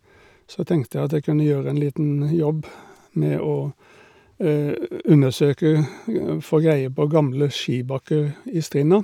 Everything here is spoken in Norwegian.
Så tenkte jeg at jeg kunne gjøre en liten jobb med å undersøke få greie på gamle skibakker i Strinda.